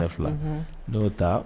ne fila n'o ta